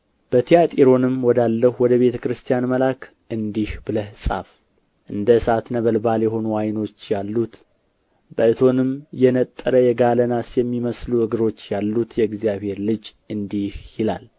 በትያጥሮንም ወዳለው ወደ ቤተ ክርስቲያን መልአክ እንዲህ ብለህ ጻፍ እንደ እሳት ነበልባል የሆኑ ዓይኖች ያሉት በእቶንም የነጠረ የጋለ ናስ የሚመስሉ እግሮች ያሉት የእግዚአብሔር ልጅ እንዲህ ይላል